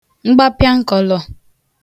mgbapịankọlọ̀